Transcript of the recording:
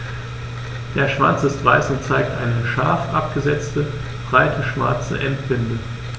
Der Schwanz ist weiß und zeigt eine scharf abgesetzte, breite schwarze Endbinde.